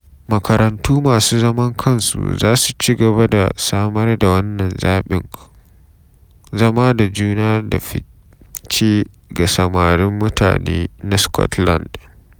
Makarantu masu zaman kansu za su ci gaba da samar da wannan zabin, zama da juna da fice ga samarin mutane na Scotland.